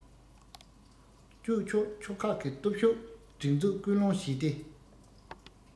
སྤྱོད ཆོག ཕྱོགས ཁག གི སྟོབས ཤུགས སྒྲིག འཛུགས སྐུལ སློང བྱས ཏེ